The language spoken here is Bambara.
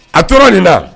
A tora nin na